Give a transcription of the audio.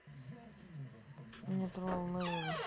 мейер